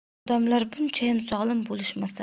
odamlar bunchayam zolim bo'lishmasa